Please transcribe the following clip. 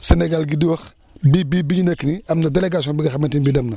Sénégal gii di wax bi bi ñu nekk nii am na délégation bi nga xamante ne bii dem na